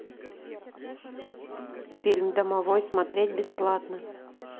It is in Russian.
фильм домовой смотреть бесплатно